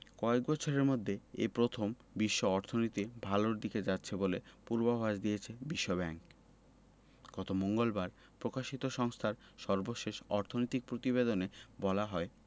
কয়েক বছরের মধ্যে এই প্রথম বিশ্ব অর্থনীতি ভালোর দিকে যাচ্ছে বলে পূর্বাভাস দিয়েছে বিশ্বব্যাংক গত মঙ্গলবার প্রকাশিত সংস্থার সর্বশেষ অর্থনৈতিক প্রতিবেদনে বলা হয়